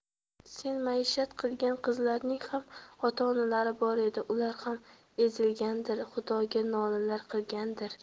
sen maishat qilgan qizlarning ham ota onalari bor edi ular ham ezilgandir xudoga nolalar qilgandir